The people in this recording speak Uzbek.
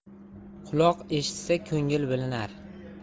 quloq eshitsa ko'ngil bilinar